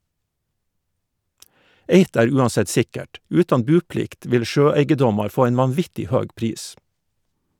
Eitt er uansett sikkert, utan buplikt vil sjøeigedomar få ein vanvittig høg pris.